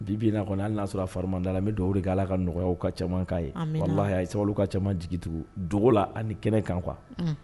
Bibiinaa y'a sɔrɔ farimada la bɛ dɔw k' ala ka nɔgɔɔgɔw ka caman ye sababu ka ca jigin tugun dugu la ani kɛnɛ kan qu